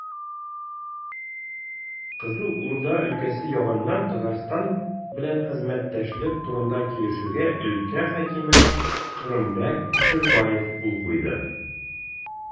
Кызыл Урда өлкәсе ягыннан Татарстан белән хезмәттәшлек турында килешүгә өлкә хакиме Кырымбәк Кушербаев кул куйды.